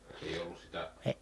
ei ollut sitä -